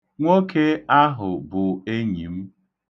Nwoke ahụ bụ enyi m.